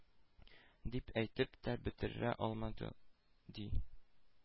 Дип әйтеп тә бетерә алмады, ди,